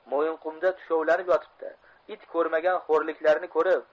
mo'yinqumda tushovlanib yotibdi it ko'rmagan xo'rliklarni ko'rib